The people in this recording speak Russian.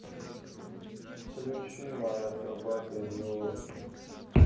включи моя собака идиот